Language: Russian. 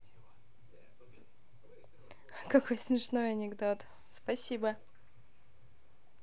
какой смешной анекдот спасибо